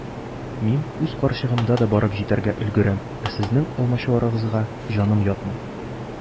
Мин үз карчыгымда да барып җитәргә өлгерәм, ә сезнең алмачуарыгызга җаным ятмый.